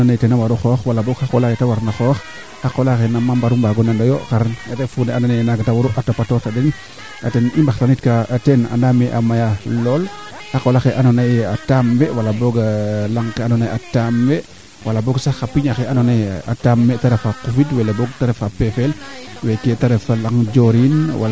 to sax o ndetea ngaan no jamano faago aussi yaal mbine te ref oxe ando naye ten jeg jeg mbine ten xame u mbine ten maxe meeke xa qola xe aussi ten na leykaa ye keeke de maana na tun manaam mene na tan keel wala meeke te natan keel ana reta sax bo o ga cegel ke a njila nel maa ando naye maaga mbaru ndiing aussi foogum